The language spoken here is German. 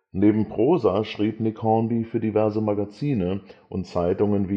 Neben Prosa schrieb Nick Hornby für diverse Magazine und Zeitungen